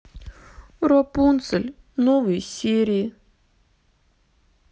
рапунцель новые серии